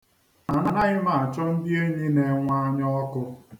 Anaghị m achọ ndị enyi na-enwe anyaọkụ